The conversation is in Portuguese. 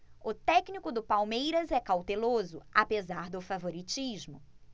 o técnico do palmeiras é cauteloso apesar do favoritismo